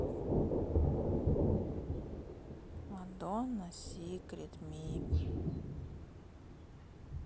мадонна сикрет ми